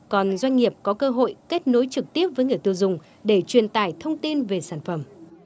còn doanh nghiệp có cơ hội kết nối trực tiếp với người tiêu dùng để truyền tải thông tin về sản phẩm